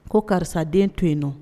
Ko karisa den to yen nɔ